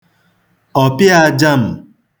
ọ̀pịaājām̀